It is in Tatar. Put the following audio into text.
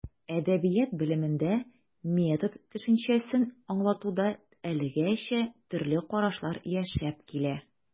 Әдәбият белемендә метод төшенчәсен аңлатуда әлегәчә төрле карашлар яшәп килә.